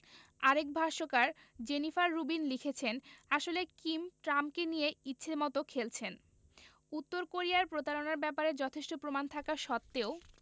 আরেক ভাষ্যকার Jennifer Rubin লিখেছেন আসলে কিম ট্রাম্পকে নিয়ে ইচ্ছেমতো খেলছেন উত্তর কোরিয়ার প্রতারণার ব্যাপারে যথেষ্ট প্রমাণ থাকা সত্ত্বেও